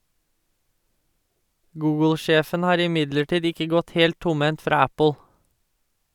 Google-sjefen har imidlertid ikke gått helt tomhendt fra Apple.